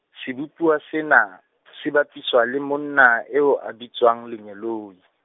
sebopuwa sena, se bapiswa le monna eo a mmitsang lengeloi.